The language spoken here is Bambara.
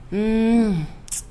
H